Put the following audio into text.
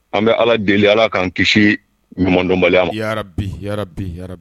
An bɛ Ala deli Ala k'an kisi ɲumandɔnbaliya ma, yarabi yarabi yarabi